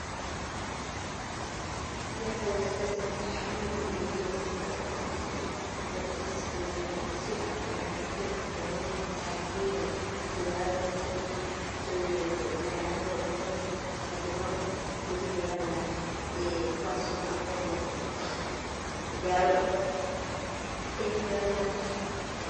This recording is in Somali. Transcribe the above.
Deeqsan isteed santar waa xarun lugu iibiyo dharka dumarka,l nuucyadiisa kala duwan sida jaakadyo, goonooyin, saakooyin, surwaalo, fanaanado iyo obino iyo wixii lamida xijaabo.